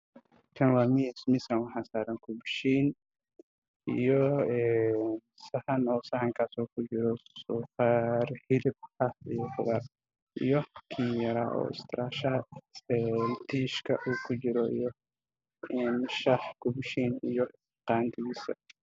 Waa miis waxaa saaran weel saxan ah ay ku jirto khudaar iskarsan suuga ah iyo koob shaxyaalo